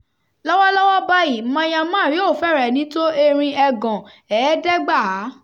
Lọ́wọ́ lọ́wọ́ báyìí, Myanmar yóò fẹ́rẹ̀ẹ́ ní tó erin ẹgàn 1,500.